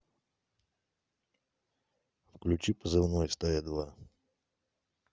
включи позывной стая два